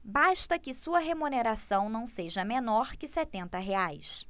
basta que sua remuneração não seja menor que setenta reais